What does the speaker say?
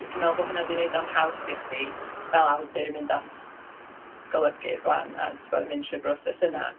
Ti'n meddwl bo' hynna 'di wneud o'n haws i chdi, fel awdur, i fynd at golygydd 'wan a tibod mynd trwy'r broses yna?